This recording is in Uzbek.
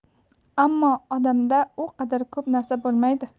ammo odamda u qadar ko'p narsa bo'lmaydi